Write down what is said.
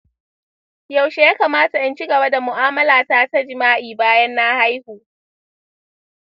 yaushe ya kamata in cigaba da mu'amala ta ta jima'i bayan na haihu?